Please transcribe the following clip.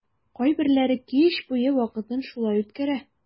Кайберләре кич буе вакытын шулай үткәрә.